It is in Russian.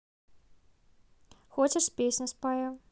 хочешь песню спою